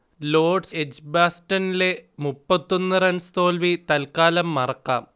Lord's എജ്ബാസ്റ്റനിലെ മുപ്പത്തിയൊന്നു runs തോൽവി തൽക്കാലം മറക്കാം